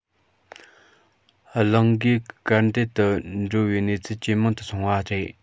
རླུང གིས གར དེད དུ འགྲོ བའི གནས ཚུལ ཇེ མང དུ སོང བ རེད